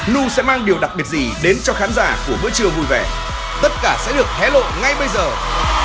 nu sẽ mang điều đặc biệt gì đến cho khán giả của bữa trưa vui vẻ tất cả sẽ được hé lộ ngay bây giờ